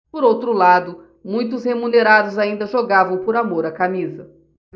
por outro lado muitos remunerados ainda jogavam por amor à camisa